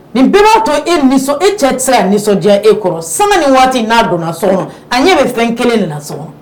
Nin bɛɛ b'a to e nisɔn e cɛ tɛ se ka nisɔndiya e kɔrɔ sa ni waati n'a donna a ɲɛ bɛ fɛn kelen na sɔrɔ